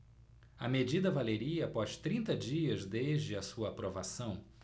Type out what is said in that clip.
a medida valeria após trinta dias desde a sua aprovação